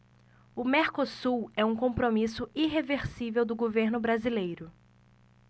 o mercosul é um compromisso irreversível do governo brasileiro